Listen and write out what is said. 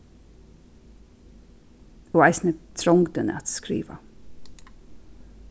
og eisini trongdin at skriva